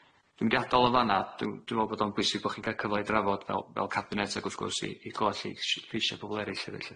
Dwi'n mynd i ad'el o'n fan'na, dwi m- dwi me'wl bod o'n bwysig bo' chi'n ca'l cyfle i drafod fel fel cabinet ac wrth gwrs i i clywad lleis- lleisia' pobol erill hefyd lly.